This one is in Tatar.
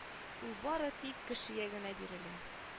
Ул бары тик кешегә генә бирелә